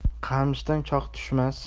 qamishdan cho'g' tushmas